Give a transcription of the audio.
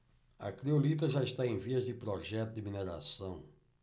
a criolita já está em vias de projeto de mineração